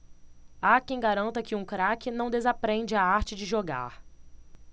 há quem garanta que um craque não desaprende a arte de jogar